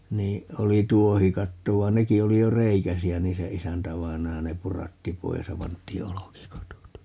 niin oli tuohikatto vaan nekin oli jo reikäisiä niin se isäntävainaja ne puratti pois ja pantiin olkikatot